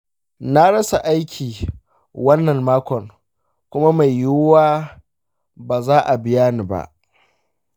na rasa aiki wannan makon kuma mai yiwuwa ba za a biya ni ba.